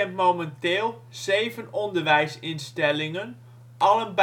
momenteel zeven onderwijsinstellingen, allen